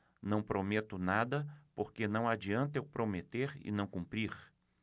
não prometo nada porque não adianta eu prometer e não cumprir